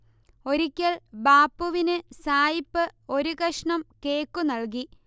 ഒരിക്കൽ ബാപ്പുവിന് സായിപ്പ് ഒരു കഷ്ണം കേക്കു നല്കി